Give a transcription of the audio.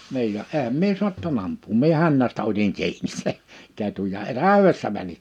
niin ja enhän minä saattanut ampua minä hännästä otin kiinni sen ketun ja - täydestä meni